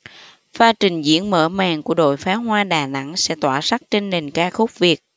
pha trình diễn mở màn của đội pháo hoa đà nẵng sẽ tỏa sắc trên nền ca khúc việt